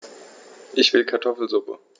Ich will Kartoffelsuppe.